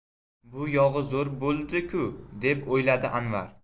bu yog'i zo'r bo'ldi ku deb o'yladi anvar